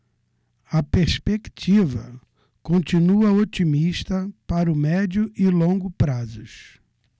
a perspectiva continua otimista para o médio e longo prazos